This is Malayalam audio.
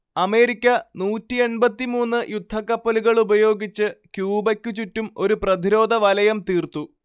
അമേരിക്ക നൂറ്റിയെൺപത്തി മൂന്ന് യുദ്ധക്കപ്പലുകളുപയോഗിച്ച് ക്യൂബക്കുചുറ്റും ഒരു പ്രതിരോധവലയം തീർത്തു